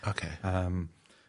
Ocê. Yym.